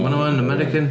Maen nhw yn American.